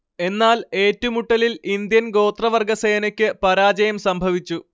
എന്നാൽ ഏറ്റുമുട്ടലിൽ ഇന്ത്യൻ ഗോത്രവർഗ സേനയ്ക്ക് പരാജയം സംഭവിച്ചു